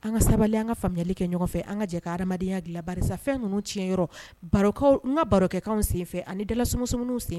An ka sabali an ka faamuyali kɛ ɲɔgɔnfɛ an ka jɛ ha adamadamadenyaya dilanbafɛn ninnu ti barokaw n ka barokɛkan sen fɛ ani dala soumunu senfɛ